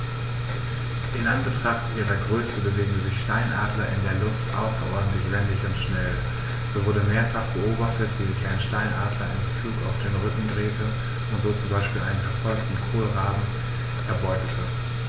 In Anbetracht ihrer Größe bewegen sich Steinadler in der Luft außerordentlich wendig und schnell, so wurde mehrfach beobachtet, wie sich ein Steinadler im Flug auf den Rücken drehte und so zum Beispiel einen verfolgenden Kolkraben erbeutete.